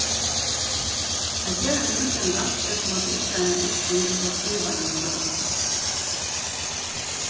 at gera ein nýggjan rætt er sum at yrkja eina yrking ella skriva eina søgu